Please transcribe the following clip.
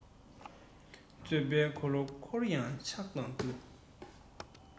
རྩོད པའི འཁོར ལོ སྐོར ཡང ཆགས སྡང རྒྱུ